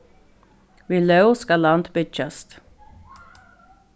við lóg skal land byggjast